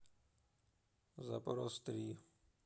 запрос три